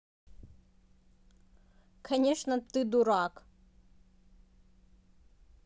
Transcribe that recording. конечно ты дурак